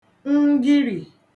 ngirì